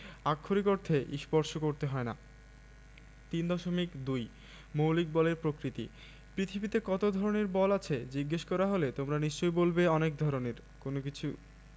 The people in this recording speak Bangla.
আক্ষরিক অর্থে স্পর্শ করতে হয় না ৩.২ মৌলিক বলের প্রকৃতিঃ পৃথিবীতে কত ধরনের বল আছে জিজ্ঞেস করা হলে তোমরা নিশ্চয়ই বলবে অনেক ধরনের কোনো কিছু